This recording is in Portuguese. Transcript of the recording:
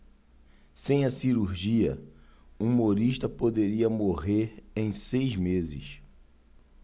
sem a cirurgia humorista poderia morrer em seis meses